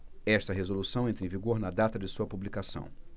esta resolução entra em vigor na data de sua publicação